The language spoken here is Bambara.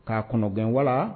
K'a kɔnɔ gɛn wala